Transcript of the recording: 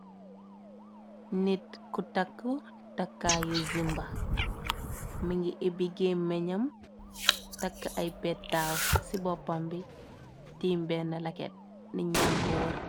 Nit ku takk takkaa yu zimba mi ngi ibbi gemenj nyam takk ay pédtaaw ci boppam bi tim bénna laket ni nyank ko weurr.